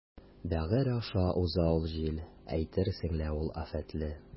Бәгырь аша уза ул җил, әйтерсең лә ул афәтле.